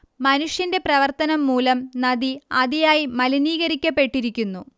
മനുഷ്യന്റെ പ്രവർത്തനം മൂലം നദി അതിയായി മലിനീകരിക്കപ്പെട്ടിരിക്കുന്നു